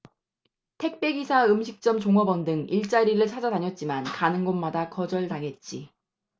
택배 기사 음식점 종업원 등 일자리를 찾아다녔지만 가는 곳마다 거절당했지